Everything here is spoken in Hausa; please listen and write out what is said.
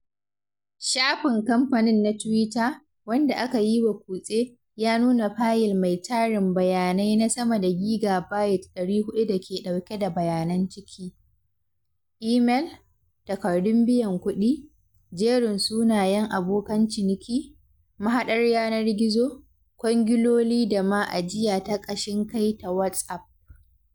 Shafin kamfanin na Twitter, wanda aka yiwa kutse, ya nuna fayil mai tarin bayanai na sama da gigabayit 400 da ke ɗauke da bayanan ciki: imel, takardun biyan kuɗi, jerin sunayen abokan ciniki, mahaɗar yanar gizo, kwangiloli da ma ajiya ta ƙashin kai ta WhatsApp.